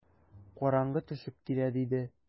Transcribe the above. Караңгы төшеп килә, - диде.